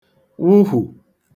wụhù